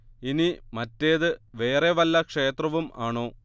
ഇനി മറ്റേത് വേറെ വല്ല ക്ഷേത്രവും ആണോ